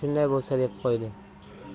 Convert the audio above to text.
shunday bo'lsa deb qo'ydi